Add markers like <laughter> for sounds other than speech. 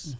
<hesitation>